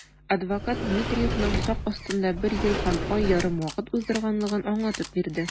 Адвокат Дмитриевның сак астында бер ел һәм ай ярым вакыт уздырганлыгын аңлатып бирде.